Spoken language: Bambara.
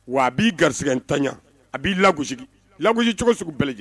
Wa a b'i garisɛgɛ ntanya, a b'i lagosi, lagsi cogo sugu bɛɛ.